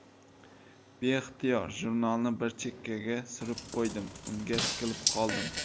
beixtiyor jurnalni bir chekkaga surib qo'yib unga tikilib qoldim